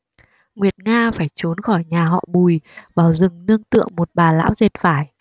nguyệt nga phải trốn khỏi nhà họ bùi vào rừng nương tựa một bà lão dệt vải